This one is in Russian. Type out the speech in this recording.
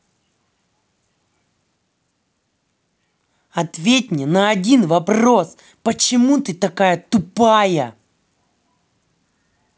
ответь мне на один вопрос почему ты такая тупая